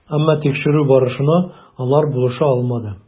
Әмма тикшерү барышына алар булыша алмады.